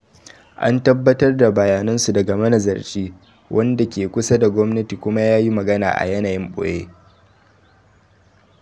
an tabbatar da bayanansu daga manazarci wanda ke kusa da gwamnati kuma yayi magana a yanayin boye.